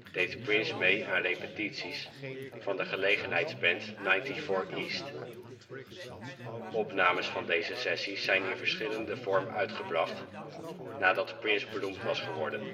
deed Prince mee aan repetities van de gelegenheidsband 94 East. Opnames van deze sessies zijn in verschillende vorm uitgebracht nadat Prince beroemd was geworden